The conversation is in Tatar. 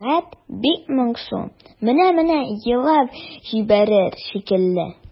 Тәлгать бик моңсу, менә-менә елап җибәрер шикелле.